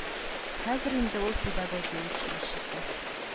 Хәзер инде ул педагогия училищесы